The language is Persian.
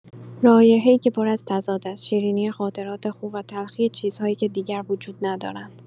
رایحه‌ای که پر از تضاد است؛ شیرینی خاطرات خوب و تلخی چیزهایی که دیگر وجود ندارند.